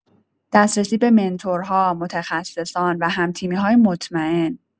دسترسی به منتورها، متخصصان و هم‌تیمی‌های مطمئن